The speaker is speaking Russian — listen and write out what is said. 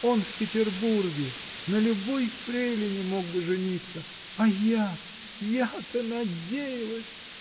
Он в Петербурге на любой фрейлине мог бы жениться. А я-то, я-то надеялась!